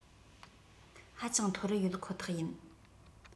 ཧ ཅང མཐོ རུ ཡོད ཁོ ཐག ཡིན